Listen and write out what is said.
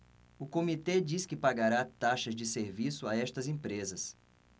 o comitê diz que pagará taxas de serviço a estas empresas